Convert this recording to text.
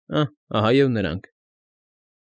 Ա֊ա֊ա՜, ահա և նրանք։